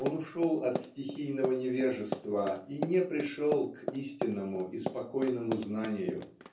он ушел от стихийного невежества и не пришел к истинному и спокойному знанию